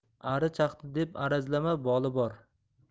ari chaqdi deb arazlama boli bor